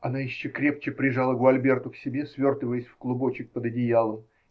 Она еще крепче прижала Гуальберту к себе, свертываясь в клубочек под одеялом.